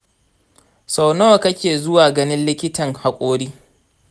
sau nawa kake zuwa ganin likitan haƙori?